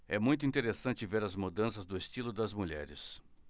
é muito interessante ver as mudanças do estilo das mulheres